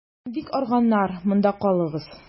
Бик арыганнар, монда калыгыз.